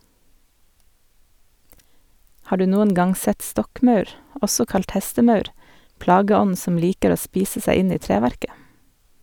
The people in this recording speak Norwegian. Har du noen gang sett stokkmaur , også kalt hestemaur, plageånden som liker å spise seg inn i treverket?